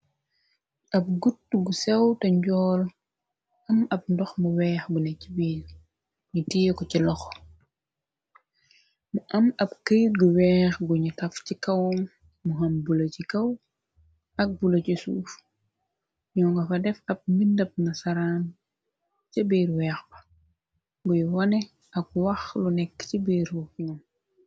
Ab gut gu sew te njool am ab ndox mu weex bu nekci biir ñu tie ko ci loxo mu am ab këyt gu weex bu ñu taf ci kawum mu xam bula ci kaw ak bula ci suuf ñoo nga fa def ab mbindëp na saraam ca biir weex ba buy wone ak wax lu nekk ci biirfun.